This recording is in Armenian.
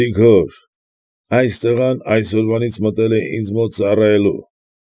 Գրիգոր, այս տղան այսօրվանից մտել է ինձ մոտ ծառայելու։